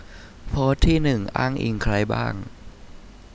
โพสต์ที่หนึ่งอ้างอิงใครบ้าง